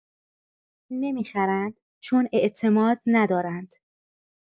نمی‌خرند چون اعتماد ندارند!